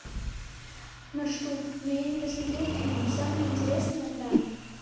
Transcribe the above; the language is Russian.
маршрут но я не досмотрел фильм самое интересное там